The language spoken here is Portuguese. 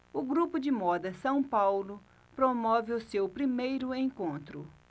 o grupo de moda são paulo promove o seu primeiro encontro